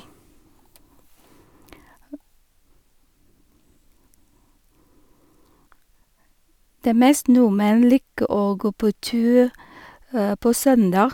De meste nordmenn liker å gå på tur på søndag.